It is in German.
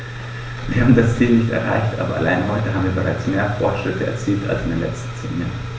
Wir haben das Ziel nicht erreicht, aber allein heute haben wir bereits mehr Fortschritte erzielt als in den letzten zehn Jahren.